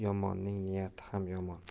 yomonning niyati ham yomon